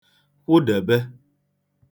kwụdèbe